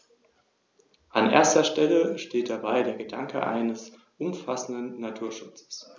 Karthago verlor alle außerafrikanischen Besitzungen und seine Flotte.